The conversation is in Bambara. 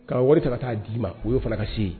Ka wari ka taa d'i ma o y'o fana ka se yen